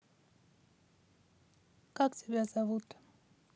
как тебя зовут